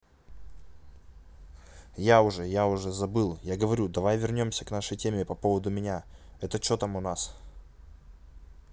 я уже я уже забыл я говорю давай вернемся к нашей теме по поводу меня это че там у нас